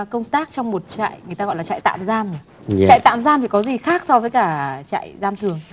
công tác trong một trại người ta gọi là trại tạm giam trại tạm giam thì có gì khác so với cả trại giam thường